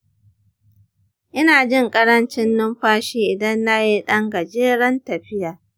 ina jin ƙarancin numfashi idan na yi ɗan gajeren tafiya.